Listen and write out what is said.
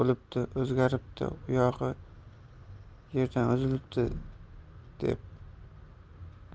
unday bo'libdi o'zgaribdi oyog'i yerdan uzilibdi deb